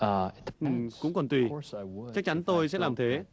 ờ cũng còn tùy chắc chắn tôi sẽ làm thế